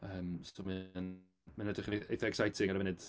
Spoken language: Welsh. Yym so mae e yn... mae'n edrych yn eitha exciting ar y funud.